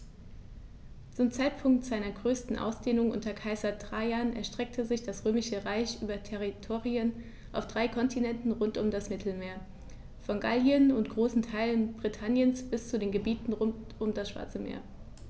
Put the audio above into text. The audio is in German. Zum Zeitpunkt seiner größten Ausdehnung unter Kaiser Trajan erstreckte sich das Römische Reich über Territorien auf drei Kontinenten rund um das Mittelmeer: Von Gallien und großen Teilen Britanniens bis zu den Gebieten rund um das Schwarze Meer.